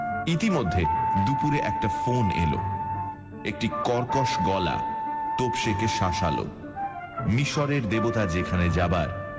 ইতিমধ্যে দুপুরে একটা ফোন এল একটি কর্কশ গলা তোপসে কে শাসালো মিশরের দেবতা যেখানে যাবার